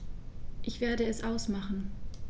Ich werde es ausmachen